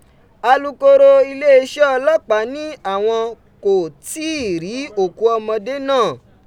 Alukoro ileeṣẹ ọlọpaa ni awọn ko tii ri oku ọmọde naa.